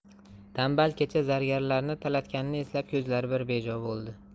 tanbal kecha zargarlarni talatganini eslab ko'zlari bir bejo bo'ldi